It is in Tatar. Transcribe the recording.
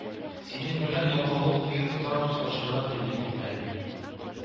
Синең белән Ялкаулык дигән туташ дуслашырга тели бит әле